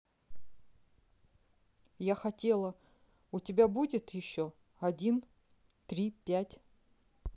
я хотела у тебя будет еще один три пять